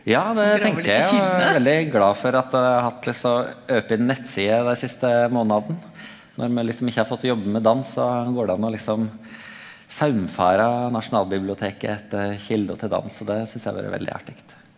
ja det tenker eg ja veldig glad for at eg har hatt liksom open nettside dei siste månadane, når me liksom ikkje har fått jobbe med dans så går det an å liksom saumfara Nasjonalbiblioteket etter kjelder til dans, og det synast eg har vore veldig artig.